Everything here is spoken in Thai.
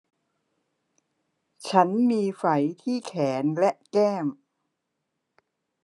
ฉันมีไฝที่แขนและแก้ม